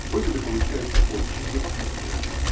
Выводы получаются очень любопытные.